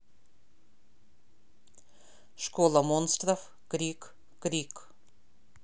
школа монстров крик крик